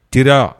T